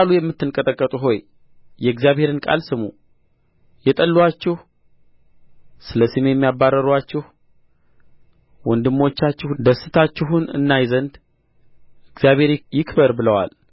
በቃሉ የምትንቀጠቀጡ ሆይ የእግዚአብሔርን ቃል ስሙ የጠሉአችሁ ስለ ስሜም ያባረሩአችሁ ወንድሞቻችሁ ደስታችሁን እናይ ዘንድ እግዚአብሔር ይክበር ብለዋል ነ